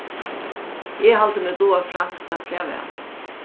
eg haldi meg duga franskt rættiliga væl